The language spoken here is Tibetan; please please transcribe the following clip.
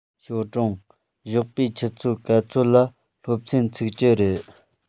ཞའོ ཀྲུང ཞོགས པའི ཆུ ཚོད ག ཚོད ལ སློབ ཚན ཚུགས ཀྱི རེད